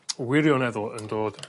wirioneddol yn dod